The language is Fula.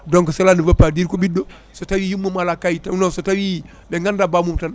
donc cela ne veut dire ko ɓiɗɗo so tawi yummum ala kayit tan non so tawi ɓe ganda bamum tan